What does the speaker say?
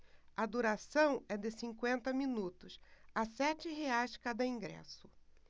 a duração é de cinquenta minutos a sete reais cada ingresso